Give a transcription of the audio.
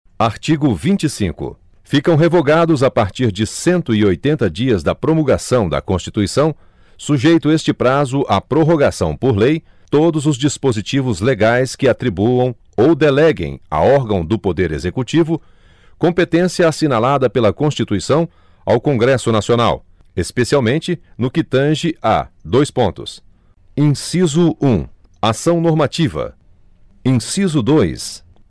artigo vinte e cinco ficam revogados a partir de cento e oitenta dias da promulgação da constituição sujeito este prazo a prorrogação por lei todos os dispositivos legais que atribuam ou deleguem a órgão do poder executivo competência assinalada pela constituição ao congresso nacional especialmente no que tange a dois pontos inciso um ação normativa inciso dois